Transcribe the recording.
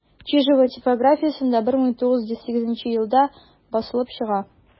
Чижова типографиясендә 1908 елда басылып чыга.